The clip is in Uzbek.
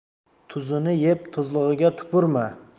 tuzini yeb tuzlig'iga tupurma